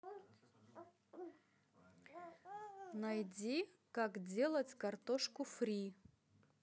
найди как делать картошку фри